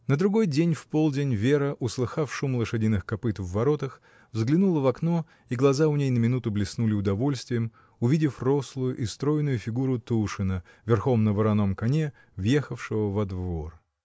На другой день в полдень Вера, услыхав шум лошадиных копыт в воротах, взглянула в окно, и глаза у ней на минуту блеснули удовольствием, увидев рослую и стройную фигуру Тушина, верхом на вороном коне въехавшего во двор.